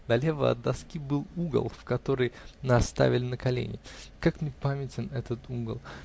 Налево от доски был угол, в который нас ставили на колени. Как мне памятен этот угол!